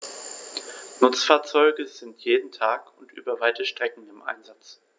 Nutzfahrzeuge sind jeden Tag und über weite Strecken im Einsatz.